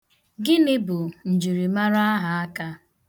Gịnị bụ njirimara ahaaka?